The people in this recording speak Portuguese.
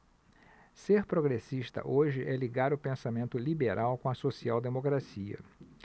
ser progressista hoje é ligar o pensamento liberal com a social democracia